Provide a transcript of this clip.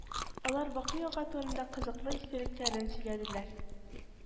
Алар бакый ага турында кызыклы истәлекләрен сөйләделәр